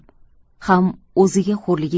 ham o'ziga xo'rligi